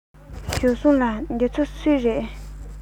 ཞའོ སུང ལགས འདི ཚོ སུའི རེད